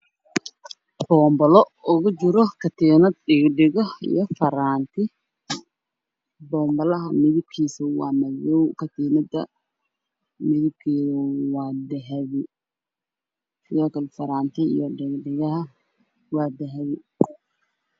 Waa boonbala midabkiisa yahay dahabi waxaa ku jiro katiin midabkiisu yahay dahabi waxaa geesaha ka yaalo labo dhegood oo dahabi